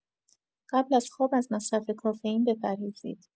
قبل از خواب از مصرف کافئین بپرهیزید.